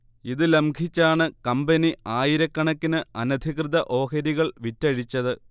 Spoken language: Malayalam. ഇതു ലംഘിച്ചാണ് കമ്പനി ആയിരക്കണക്കിന് അനധികൃത ഓഹരികൾ വിറ്റഴിച്ചത്